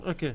ok